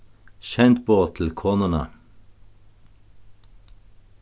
send boð til konuna